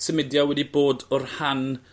symudia wedi bod o rhan